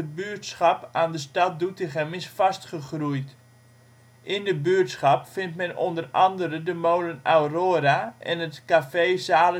buurtschap aan de stad Doetinchem is vastgegroeid. In de buurtschap vindt men onder andere de molen Aurora en het café/zalencentrum ' t